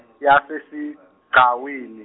yasesigcawini.